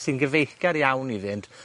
sy'n gyfeillgar iawn iddynt,